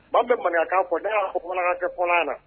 Maa min bɛ Manikakan fɔ n'a y'a fɔ ɔBamanankanfɔla ɲɛna